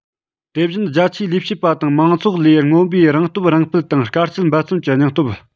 དེ བཞིན རྒྱ ཆེའི ལས བྱེད པ དང མང ཚོགས ལས མངོན པའི རང སྟོབས རང སྤེལ དང དཀའ སྤྱད འབད བརྩོན གྱི སྙིང སྟོབས